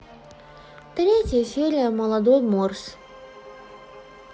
третья серия молодой морс